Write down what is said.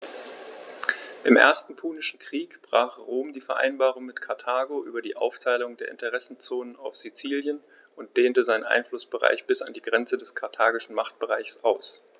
Im Ersten Punischen Krieg brach Rom die Vereinbarung mit Karthago über die Aufteilung der Interessenzonen auf Sizilien und dehnte seinen Einflussbereich bis an die Grenze des karthagischen Machtbereichs aus.